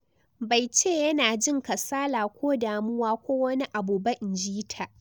" "Bai ce yana jin kasala ko damuwa ko wani abu ba," in ji ta.